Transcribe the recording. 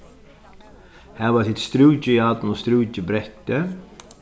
hava tit strúkijarn og strúkibretti